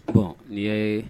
Bɔn nin y' ye